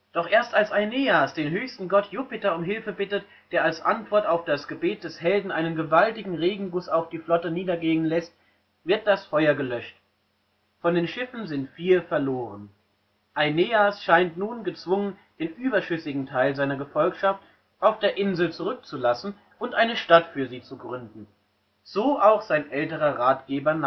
Doch erst als Aeneas den höchsten Gott Jupiter um Hilfe bittet, der als Antwort auf das Gebet des Helden einen gewaltigen Regenguss auf die Flotte niedergehen lässt, wird das Feuer gelöscht. Von den Schiffen sind vier verloren. Aeneas scheint nun gezwungen, den überschüssigen Teil seiner Gefolgschaft auf der Insel zurückzulassen und eine Stadt für sie zu gründen; so auch sein älterer Ratgeber